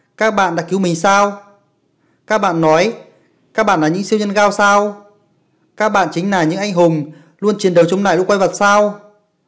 các bạn đã cứu mình sao các bạn nói các bạn là những siêu nhân gao sao các bạn là những anh hùng chống quái vật sao